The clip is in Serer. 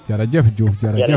jerejef Diouf jerejef